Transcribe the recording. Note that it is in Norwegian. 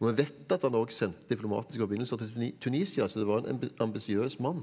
og vi vet at han òg sendte diplomatiske forbindelser til Tunisia så det var en ambisiøs mann